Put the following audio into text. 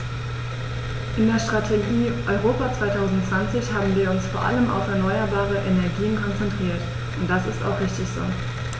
In der Strategie Europa 2020 haben wir uns vor allem auf erneuerbare Energien konzentriert, und das ist auch richtig so.